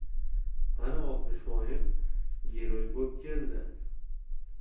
mana oltmishvoyim giroy bo'p keldi